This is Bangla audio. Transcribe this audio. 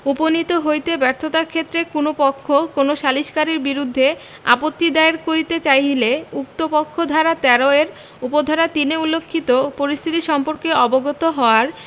উপনীত হইতে ব্যর্থতার ক্ষেত্রে কোন পক্ষ কোন সালিসকারীর বিরুদ্ধে আপত্তি দায়ের করিতে চাহিলে উক্ত পক্ষ ধারা ১৩ এর উপ ধারা ৩ এ উল্লেখিত পরিস্থিতি সম্পর্কে অবগত হওয়ার